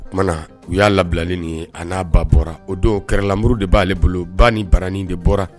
O tuma u y'a labilali nin ye a n'a ba bɔra o don kɛlɛlamuru de b'ale bolo ba ni barain de bɔra